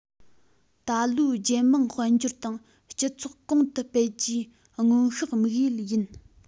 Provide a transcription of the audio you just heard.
ད ལོའི རྒྱལ དམངས དཔལ འབྱོར དང སྤྱི ཚོགས གོང དུ སྤེལ རྒྱུའི སྔོན དཔག དམིགས ཡུལ ཡིན